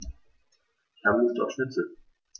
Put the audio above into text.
Ich habe Lust auf Schnitzel.